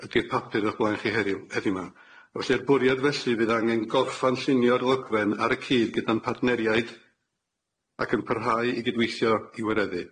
ydi'r papur o'ch blaen chi heddiw- heddiw ma' felly'r bwriad felly fydd angen gorffan llunio'r ddogfen ar y cyd gyda'n partneriaid ac yn parhau i gydweithio i wareddu.